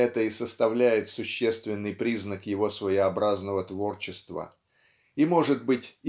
-- это и составляет существенный признак его своеобразного творчества. И может быть